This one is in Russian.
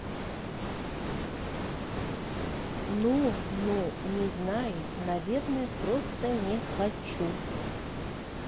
ну ну не знаю наверное просто не хочу